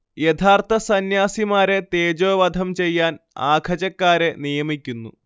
യഥാർത്ഥ സന്യാസിമാരെ തേജോവധം ചെയ്യാൻ ആഖജക്കാരെ നിയമിക്കുന്നു